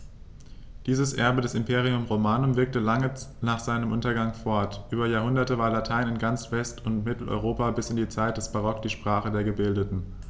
Dieses Erbe des Imperium Romanum wirkte lange nach seinem Untergang fort: Über Jahrhunderte war Latein in ganz West- und Mitteleuropa bis in die Zeit des Barock die Sprache der Gebildeten.